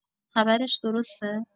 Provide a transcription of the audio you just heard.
خبرش درسته؟